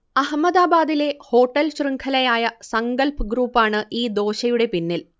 അഹമ്മദാബാദിലെ ഹോട്ടൽ ശൃംഘലയായ സങ്കൽപ് ഗ്രൂപ്പാണ് ഈ ദോശയുടെ പിന്നിൽ